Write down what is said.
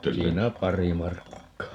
siinä pari markkaa